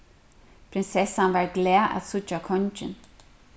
prinsessan varð glað at síggja kongin